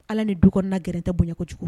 Ala ni du kɔnɔna gɛrɛ tɛ bonyaɲɛko cogo